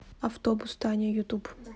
автобус таня ютуб